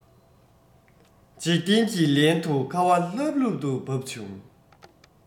འཇིག རྟེན གྱིས ལན དུ ཁ བ ལྷབ ལྷུབ ཏུ ཕབ བྱུང